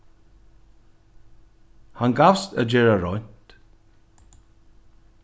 hann gavst at gera reint